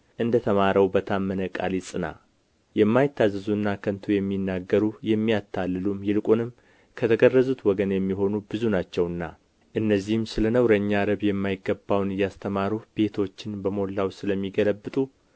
እንደተማረው በታመነ ቃል ይጽና የማይታዘዙና ከንቱ የሚናገሩ የሚያታልሉ ይልቁንም ከተገረዙት ወገን የሚሆኑ ብዙ ናቸውና እነዚህም ስለ ነውረኛ ረብ የማይገባውን እያስተማሩ ቤቶችን በሞላው ስለ ሚገለብጡ